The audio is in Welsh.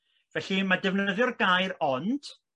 Felly ma' defnyddio'r gair ond